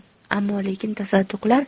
ammo lekin tasadduqlar